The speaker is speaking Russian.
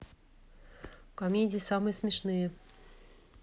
комедии самые смешные